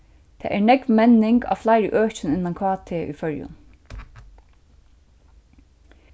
tað er nógv menning á fleiri økjum innan kt í føroyum